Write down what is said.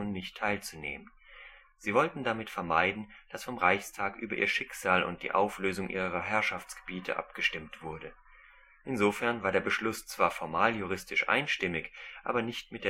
nicht teilzunehmen. Sie wollten damit vermeiden, dass vom Reichstag über ihr Schicksal und die Auflösung ihrer Herrschaftsgebiete abgestimmt wurde. Insofern war der Beschluss zwar formaljuristisch einstimmig, aber nicht